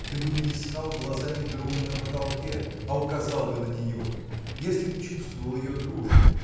ты бы не искал глазами друга на потолке а указал бы на нее. Если б чувствовал ее дружбу